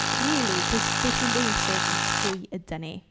Rili pwy... be sy'n bwysig yw pwy ydyn ni.